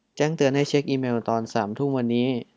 แจ้งเตือนให้เช็คอีเมล์ตอนสามทุ่มวันนี้